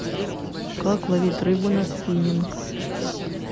как ловить рыбу на спининг